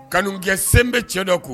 Kalan kɛ sen bɛɛ cɛ dɔ ko